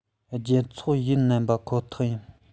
རྒྱལ ཚོགས ཡིན ནམ པ ཁོ ཐག ཡིན